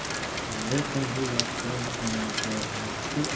lekin bu yoqda onasi mushkul